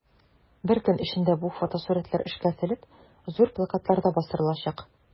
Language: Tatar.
Бер көн эчендә бу фотосурәтләр эшкәртелеп, зур плакатларда бастырылачак.